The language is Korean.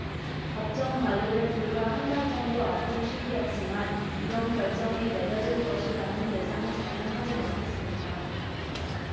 법정관리를 불과 한 달 정도 앞둔 시기였지만 이런 결정이 내려질 거라는 예상은 전혀 하지 못했습니다